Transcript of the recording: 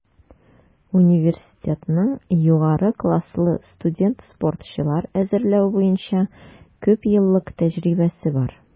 Университетның югары класслы студент-спортчылар әзерләү буенча күпьеллык тәҗрибәсе бар.